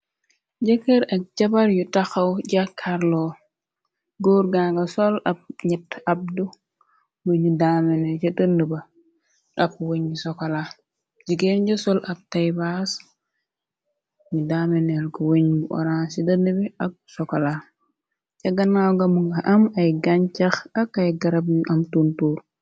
jëkër ak jabar yu taxaw jakarlo gor ganga sol ab ñet abd bu ñu daamene cë dënd ba ab wëñ sokola jigeer jësol ab taybas ñu daameneer gu wëñ bu orang ci dën bi ak sokola ca ganaaw gamunga am ay gañ cax ak ay garab yu am tuntuur